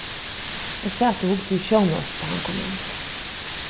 eg sat og hugdi í sjónvarp tá hann kom inn